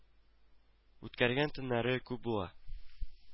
Үткәргән төннәре күп була